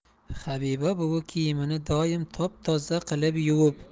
habiba buvi kiyimini doim top toza qilib yuvib